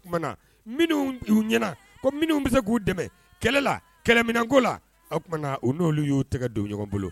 Oumana minnu'u ɲɛna ko minnu bɛ se k'u dɛmɛ kɛlɛ la kɛlɛmin ko la o tumaumana u n'olu y'u tɛgɛ don ɲɔgɔn bolo